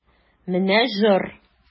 Менә җор!